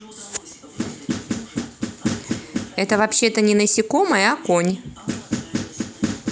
это вообще то не насекомое а конь